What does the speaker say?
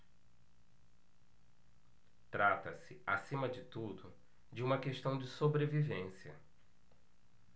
trata-se acima de tudo de uma questão de sobrevivência